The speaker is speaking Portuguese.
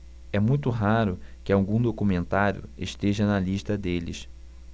é muito raro que algum documentário esteja na lista deles